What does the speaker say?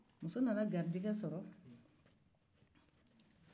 muso nana garijɛgɛ sɔrɔ